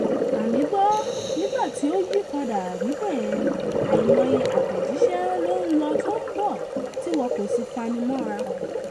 Gbà mi gbọ́, nígbà tí ó yípadà níbẹ̀ yen, àìmọye àtẹ̀jíṣẹ́ ló ń lọ tó ń bọ̀ tí wọ̀ kò sì fanimọ́ra.